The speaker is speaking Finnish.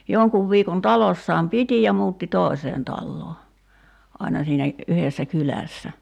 jonkun viikon talossaan piti ja muutti toiseen taloon aina siinä yhdessä kylässä